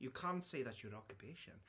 You can say that's your occupation.